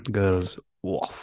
Girls... woff!